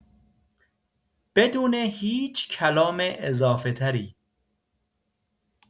بدون هیچ کلام اضافه‌تری